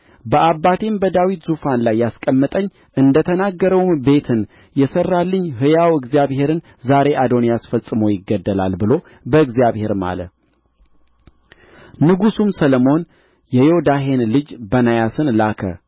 በአባቴም በዳዊት ዙፋን ላይ ያስቀመጠኝ እንደ ተናገረውም ቤትን የሠራልኝ ሕያው እግዚአብሔርን ዛሬ አዶንያስ ፈጽሞ ይገደላል ብሎ በእግዚአብሔር ማለ ንጉሡም ሰሎሞን የዮዳሄን ልጅ በናያስን ላከ